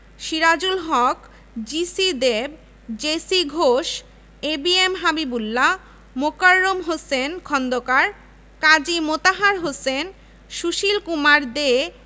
ইউনানি ও আর্য়ুবেদিকসহ চিকিৎসা বিজ্ঞান ৪টি গার্হস্থ্য অর্থনীতি এবং ৯টি প্রকৌশল ও প্রযুক্তি বিষয়ে ডিগ্রি প্রদান করা হয়